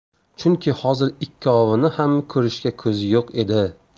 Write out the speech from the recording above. chunki hozir ikkovini ham ko'rishga ko'zi yo'q edi